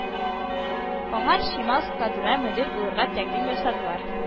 Аңар чимал складына мөдир булырга тәкъдим ясадылар